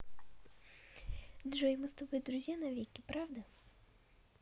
джой мы с тобой друзья навеки правда